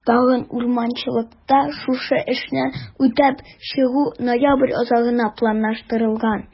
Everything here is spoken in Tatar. Тагын 2 урманчылыкта шушы эшне үтәп чыгу ноябрь азагына планлаштырылган.